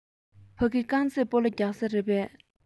ཕ གི རྐང རྩེད སྤོ ལོ རྒྱག ས རེད པས